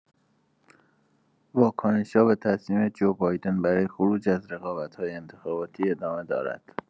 واکنش‌ها به تصمیم جو بایدن برای خروج از رقابت‌های انتخاباتی ادامه دارد.